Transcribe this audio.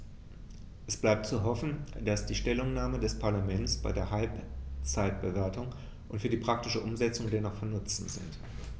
Es bleibt zu hoffen, dass die Stellungnahmen des Parlaments bei der Halbzeitbewertung und für die praktische Umsetzung dennoch von Nutzen sind.